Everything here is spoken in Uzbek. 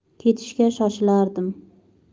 ketishga shoshilardim